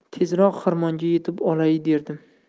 tezroq xirmonga yetib olay derdim